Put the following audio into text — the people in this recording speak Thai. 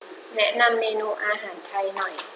แนะนำเมนูอาหารไทยหน่อย